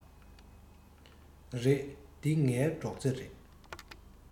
རེད འདི ངའི སྒྲོག རྩེ རེད